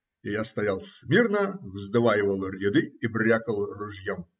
И я стоял смирно, вздваивал ряды и брякал ружьем.